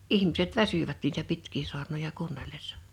ihmiset väsyivät niitä pitkiä saarnoja kuunnellessa